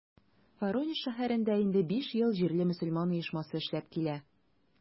Воронеж шәһәрендә инде биш ел җирле мөселман оешмасы эшләп килә.